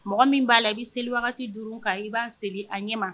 Mɔgɔ min b'a la i bi seli wagati 5 kan i b'a seli a ɲɛma